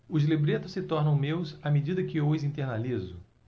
os libretos se tornam meus à medida que os internalizo